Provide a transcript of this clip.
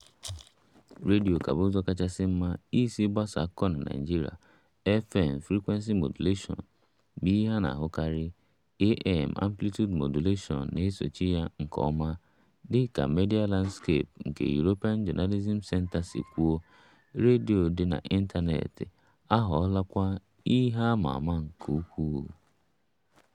Redio ka bụ ụzọ kachasị mma isi gbasaa akụkọ na Naịjirịa. FM (frequency modulation) bụ ihe a na-ahụkarị, AM (amplitude modulation) na-esochi ya nke ọma, dịka Media Landscape nke European Journalism Centre si kwuo - redio dị n'ịntaneetị aghọọlakwa ihe a ma ama nke ukwuu.